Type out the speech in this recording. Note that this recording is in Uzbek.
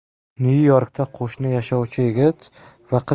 nyu yorkda qo'shni yashovchi yigit va qiz